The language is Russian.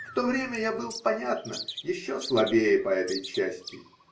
В то время я был, понятно, еще слабее по этой части